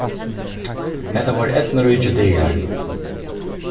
hatta vóru eydnuríkir dagar